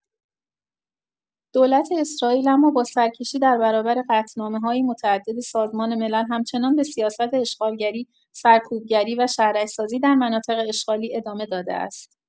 دولت اسرائیل اما با سرکشی در برابر قطعنامه‌های متعدد سازمان ملل هم‌چنان به سیاست اشغالگری، سرکوبگری و شهرک‌سازی در مناطق اشغالی ادامه داده است.